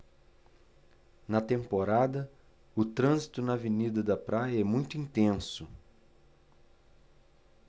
na temporada o trânsito na avenida da praia é muito intenso